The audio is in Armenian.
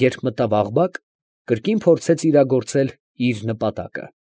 Երբ մտավ Աղբակ, կրկին փորձեց իրագործել իր նպատակը։